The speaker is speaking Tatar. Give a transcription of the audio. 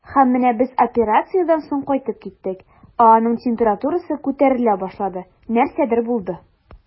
Һәм менә без операциядән соң кайтып киттек, ә аның температурасы күтәрелә башлады, нәрсәдер булды.